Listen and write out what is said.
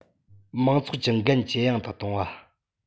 མང ཚོགས ཀྱི འགན ཇེ ཡང དུ གཏོང བ